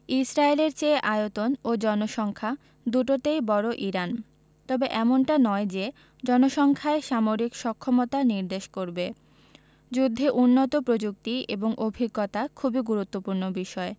ইসরায়েলের চেয়ে আয়তন ও জনসংখ্যা দুটোতেই বড় ইরান তবে এমনটা নয় যে জনসংখ্যাই সামরিক সক্ষমতা নির্দেশ করবে যুদ্ধে উন্নত প্রযুক্তি এবং অভিজ্ঞতা খুবই গুরুত্বপূর্ণ বিষয়